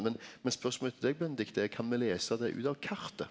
men men spørsmålet mitt til deg Benedicte er kan me lesa det ut av kartet?